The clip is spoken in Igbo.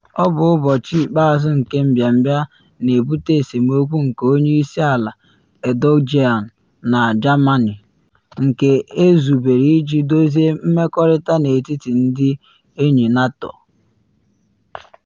Ọ bụ ụbọchị ikpeazụ nke mbịambịa na ebute esemokwu nke Onye Isi Ala Erdogan na Germany- nke ezubere iji dozie mmekọrịta n’etiti ndị enyi NATO.